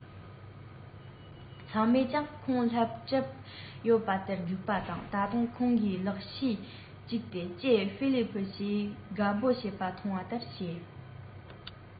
ཚང མས ཀྱང ཁོ སླེབས གྲབས ཡོད པ ལྟར སྒུག པ དང ད དུང ཁོང གིས ལག ཕྱིས གཡུགས ཏེ ཀྱེ ཧྥེ ལི ཕུ ཞེས དགའ འབོད བྱེད པ མཐོང བ ལྟར བྱེད